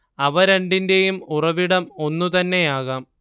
അവ രണ്ടിന്റേയും ഉറവിടം ഒന്നുതന്നെയാകാം